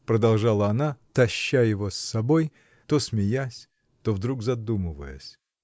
— продолжала она, таща его с собой, то смеясь, то вдруг задумываясь.